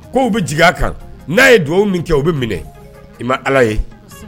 Ko u bɛ jigin a kan n'a ye dugawu min kɛ u bɛ minɛ i ma ala ye